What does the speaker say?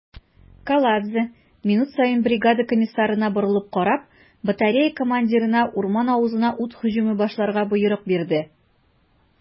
Каладзе, минут саен бригада комиссарына борылып карап, батарея командирына урман авызына ут һөҗүме башларга боерык бирде.